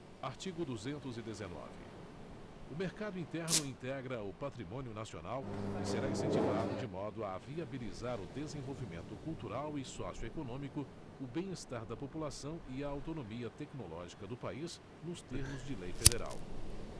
artigo duzentos e dezenove o mercado interno integra o patrimônio nacional e será incentivado de modo a viabilizar o desenvolvimento cultural e sócio econômico o bem estar da população e a autonomia tecnológica do país nos termos de lei federal